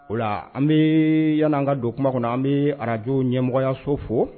O la an bee yan'an ka don kuma kɔnɔ an bee radio ɲɛmɔgɔyaso fo